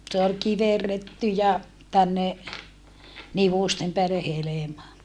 se oli kiverretty ja tänne nivusten päälle helma